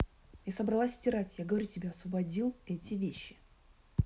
я собралась стирать я говорю тебе освободил эти вещи